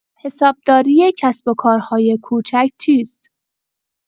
حسابداری کسب‌وکارهای کوچک چیست؟